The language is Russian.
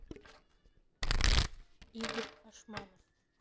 игорь ашманов